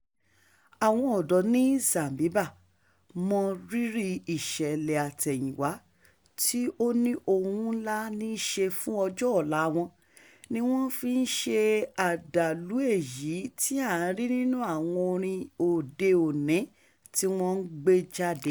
Àwọn ọ̀dọ́ ní Zanzibar mọ rírìi ìṣẹ̀lẹ̀ àtẹ̀yìnwá tí ó ní ohun ńlá ní í ṣe fún ọjọ́ ọ̀la wọn, ni wọ́n fi ń ṣe àdàlù èyí tí a rí nínú àwọn orin òde òní tí wọn ń gbé jáde.